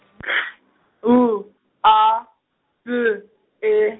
K, W, A, B, E.